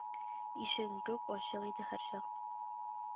Ишегең күк, ачык иде һәрчак